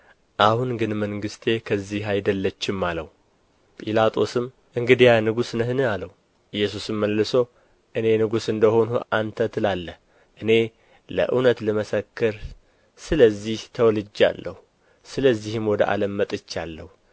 አሁን ግን መንግሥቴ ከዚህ አይደለችም አለው ጲላጦስም እንግዲያ ንጉሥ ነህን አለው ኢየሱስም መልሶ እኔ ንጉሥ እንደ ሆንሁ አንተ ትላለህ እኔ